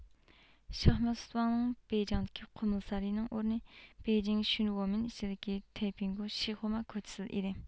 شاھ مەخسۇت ۋاڭنىڭ بېيجىڭدىكى قۇمۇل سارىيى نىڭ ئورنى بېيجىڭ شۈنۋومىن ئىچىدىكى تەيپىڭخۇ شىخۇما كوچىسىدا ئىدى